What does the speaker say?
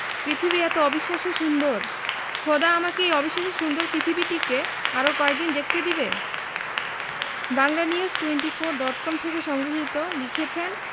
পৃথিবী এতো অবিশ্বাস্য সুন্দর খোদা আমাকে এই অবিশ্বাস্য সুন্দর পৃথিবীটিকে আরো কয়দিন দেখতে দিবে বাংলানিউজ টোয়েন্টিফোর ডট কম থেকে সংগৃহীত লিখেছেন